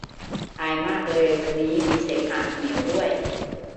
ไอมากเลยวันนี้มีเสมหะเหนียวด้วย